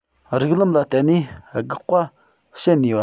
རིགས ལམ ལ བརྟེན ནས དགག པ བྱེད ནུས པ